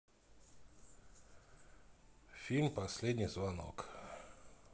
фильм последний звонок